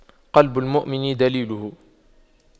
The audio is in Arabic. قلب المؤمن دليله